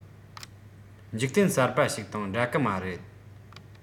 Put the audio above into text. འཇིག རྟེན གསར པ ཞིག དང འདྲ གི མ རེད